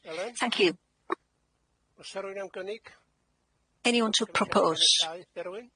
Thank you, oes 'na riw un am gynnig? anyone to propose?